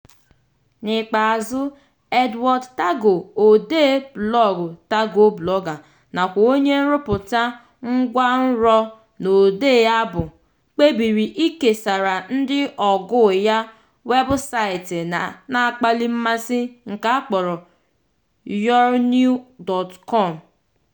N'ikpeazụ, Edward Tagoe, odee blọọgụ Tagoe Blogger nakwa onye nrụpụta ngwanrọ-na-odee abụ, kpebiri ikesara ndị ọgụụ ya webụsaịtị na-akpalị mmasị nke a kpọrọ YOURENEW.COM.